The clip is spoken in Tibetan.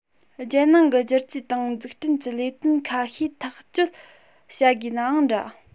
རྒྱལ ནང གི བསྒྱུར བཅོས དང འཛུགས སྐྲུན གྱི ལས དོན ཁ ཤས ཐག གཅོད བྱ དགོས ནའང འདྲ